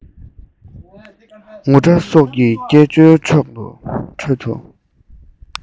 ངུ སྒྲ སོགས ཀྱི སྐད ཅོའི ཁྲོད དུ